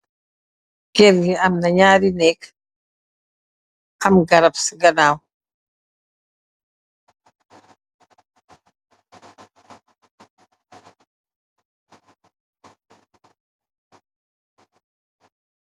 Kèr ngi am na ñaari nèk, am garap ci ganaw.